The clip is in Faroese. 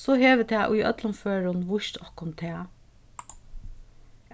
so hevur tað í øllum førum víst okkum tað